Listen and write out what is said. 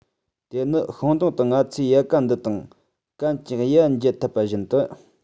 དེ ནི ཤིང སྡོང སྟེང ང ཚོས ཡལ ག འདི དང གན གྱི དབྱེ བ འབྱེད ཐུབ པ བཞིན དུ